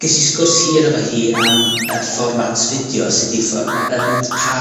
ges i sgwrs hir efo hi am y fformat fideo, sut i formia- yym, pa